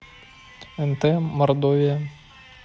нт мордовия